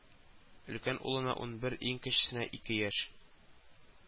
Өлкән улына унбер, иң кечесенә ике яшь